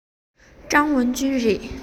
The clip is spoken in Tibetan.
ཀྲང ཝུན ཅུན རེད